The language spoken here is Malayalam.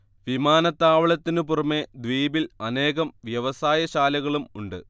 വിമാനത്താവളത്തിനു പുറമേ ദ്വീപിൽ അനേകം വ്യവസായ ശാലകളും ഉണ്ട്